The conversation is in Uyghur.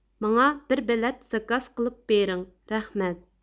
ماڭا بىر بېلەت زاكاز قىلىپ بېرىڭ رەھمەت